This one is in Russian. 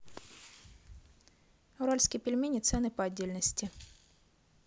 уральские пельмени цены по отдельности